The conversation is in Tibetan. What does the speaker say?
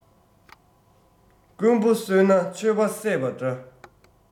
རྐུན པོ གསོས ན ཆོས པ བསད པ འདྲ